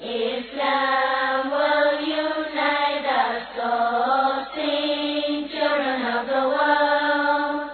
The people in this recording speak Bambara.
Denla mɔ yoinɛ'lɔ se cɛ laban